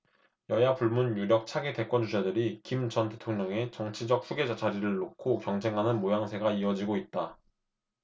여야 불문 유력 차기 대권주자들이 김 전 대통령의 정치적 후계자 자리를 놓고 경쟁하는 모양새가 이어지고 있다